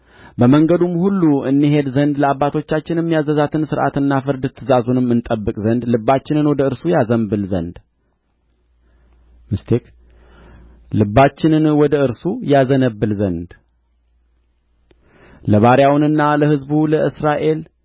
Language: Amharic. በመንገዱም ሁሉ እንሄድ ዘንድ ለአባቶቻችንም ያዘዛትን ሥርዓትና ፍርድ ትእዛዙንም እንጠብቅ ዘንድ ልባችንን ወደ እርሱ ያዘነብል ዘንድ ለባሪያውና ለሕዝቡ ለእስራኤል